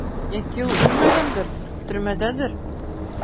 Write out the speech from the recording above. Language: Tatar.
Яки ул үлмәгәндер, төрмәдәдер?